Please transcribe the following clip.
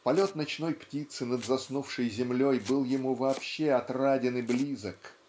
Полет ночной птицы над заснувшей землей был ему вообще отраден и близок